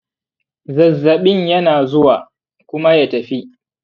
zazzaɓin yana zuwa kuma ya tafi.